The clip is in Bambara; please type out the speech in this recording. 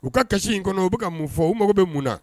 U ka kasi in kɔnɔ u bɛ bɛka ka mun fɔ u mago bɛ mun na